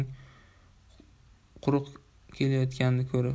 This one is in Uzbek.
quruq kelayotganini ko'rib